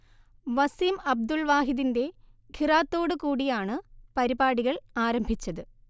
വസീംഅബ്ദുൽ വാഹിദിന്റെ ഖിറാഅത്തോട് കൂടിയാണ് പരിപാടികൾ ആരംഭിച്ചത്